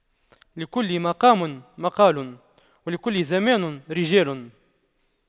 لكل مقام مقال ولكل زمان رجال